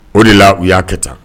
O de la u y'a kɛ tan